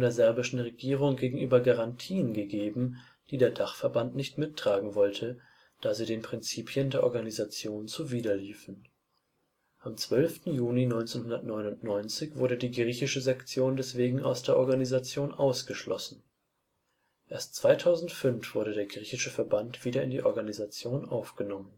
serbischen Regierung gegenüber Garantien gegeben, die der Dachverband nicht mittragen wollte, da sie den Prinzipien der Organisation zuwiderliefen. Am 12. Juni 1999 wurde die griechische Sektion deswegen aus der Organisation ausgeschlossen. Erst 2005 wurde der griechische Verband wieder in die Organisation aufgenommen